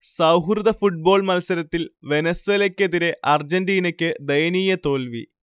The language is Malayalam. സൗഹൃദ ഫുട്ബോൾ മത്സരത്തിൽ വെനസ്വലക്കെതിരെ അർജന്റീനക്ക് ദയനീയ തോൽവി